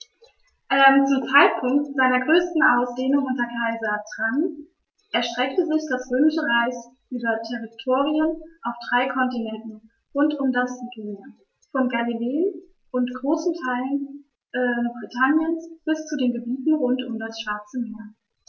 Zum Zeitpunkt seiner größten Ausdehnung unter Kaiser Trajan erstreckte sich das Römische Reich über Territorien auf drei Kontinenten rund um das Mittelmeer: Von Gallien und großen Teilen Britanniens bis zu den Gebieten rund um das Schwarze Meer.